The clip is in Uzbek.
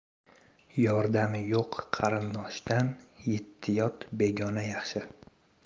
yordami yo'q qarindoshdan yetti yot begona yaxshi